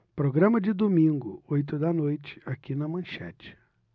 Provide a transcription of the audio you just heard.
programa de domingo oito da noite aqui na manchete